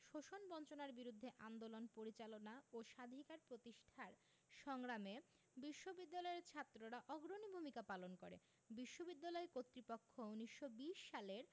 শোষণ বঞ্চনার বিরুদ্ধে আন্দোলন পরিচালনা ও স্বাধিকার প্রতিষ্ঠার সংগ্রামে বিশ্ববিদ্যালয়ের ছাত্ররা অগ্রণী ভূমিকা পালন করে বিশ্ববিদ্যালয় কর্তৃপক্ষ ১৯২০ সালের